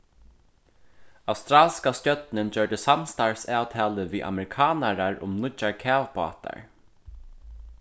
australska stjórnin gjørdi samstarvsavtalu við amerikanarar um nýggjar kavbátar